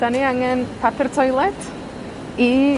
'Dan ni angen papur toiled i